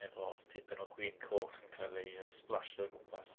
Efo tipyn o gwin coch yn cael ei, yy, splasio o gwmpas.